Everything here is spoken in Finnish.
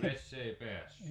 vesi ei päässyt